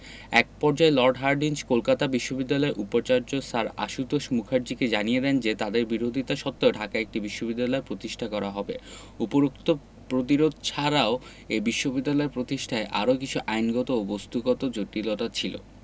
এক পর্যায়ে Lord Hardinge Kolkata বিশ্ববিদ্যালয়ের উপাচার্য স্যার আশুতোষ মুখার্জীকে জানিয়ে দেন যে তাঁদের বিরোধিতা সত্ত্বেও ঢাকায় একটি বিশ্ববিদ্যালয় প্রতিষ্ঠা করা হবে উপরিউক্ত প্রতিরোধ ছাড়াও এ বিশ্ববিদ্যালয় প্রতিষ্ঠায় আরও কিছু আইনগত ও বস্ত্তগত জটিলতা ছিল